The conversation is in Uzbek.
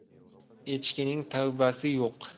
echkining tavbasi yo'q